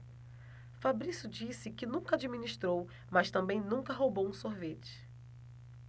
fabrício disse que nunca administrou mas também nunca roubou um sorvete